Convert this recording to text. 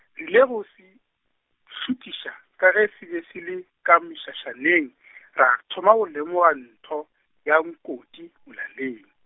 re ile go se, šutiša ka ge se be se le, ka mešašaneng, ra thoma o lemoga ntho, ya nkoti, molaleng.